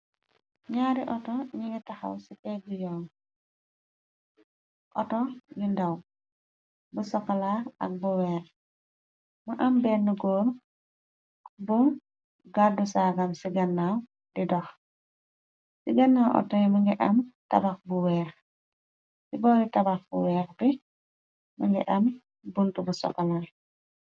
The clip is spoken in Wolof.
Naari auto ñi ngi taxaw ci teggi yoon auto yi ndaw bu sokalaar ak bu weer mu am benn góor bu gàddu saagam ci gannaaw di dox ci gannaaw auto yi mi nga am tabax bu weer ci boori tabax bu weex bi më ngi am buntu bu sokalaar.